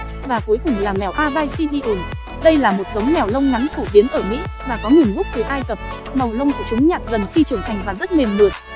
và cuối cùng là mèo abyssinian đây là một giống mèo lông ngắn phổ biến ở mỹ và có nguồn gốc từ ai cập màu lông của chúng nhạt dần khi trưởng thành và rất mềm mượt